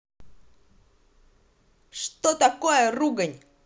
что такое ругань